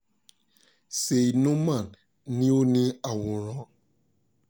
Syed Noman ni ó ní àwòrán.